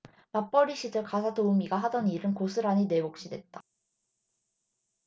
맞벌이 시절 가사도우미가 하던 일은 고스란히 내 몫이 됐다